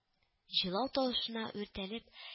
Җылау тавышына үртәлеп